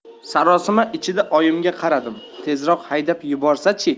sarosima ichida oyimga qaradim tezroq haydab yuborsa chi